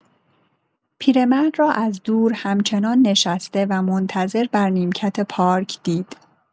پیرمرد را از دور همچنان نشسته و منتظر بر نیمکت پارک دید.